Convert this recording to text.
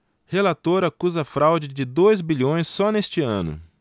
relator acusa fraude de dois bilhões só neste ano